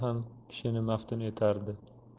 ham kishini maftun etardi